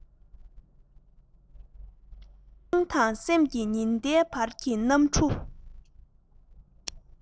པེ ཅིན དང སེམས ཀྱི ཉི ཟླའི བར གྱི གནམ གྲུ